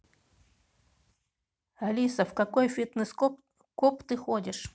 алиса в какой фитнес коп ты ходишь